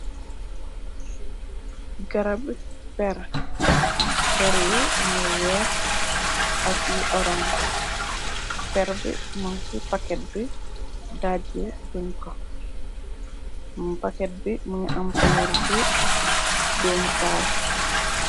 Garabi per yu amlu weex ak yu orange. Perr bi mong ci paket bi dajji guñ ko. Paket bi mënga am culur bu doomu taal.